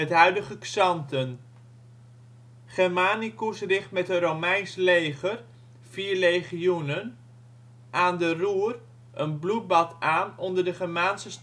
huidige Xanten). Germanicus richt met een Romeins leger (4 legioenen) aan de Ruhr, een bloedbad aan onder de Germaanse